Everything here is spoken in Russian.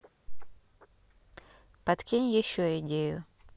подкинь еще идею